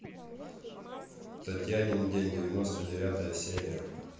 татьянин день девяносто девятая серия